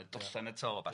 a ballu